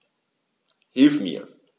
Hilf mir!